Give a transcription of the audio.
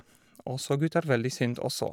Og så, Gud er veldig sint også.